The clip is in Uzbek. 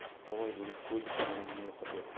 novvoy bo'lib ko'z nurimni yo'qotyapman